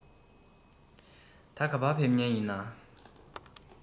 ད ག པར ཕེབས མཁན ཡིན ན